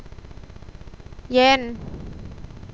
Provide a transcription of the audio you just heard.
เย็น